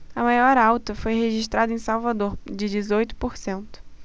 a maior alta foi registrada em salvador de dezoito por cento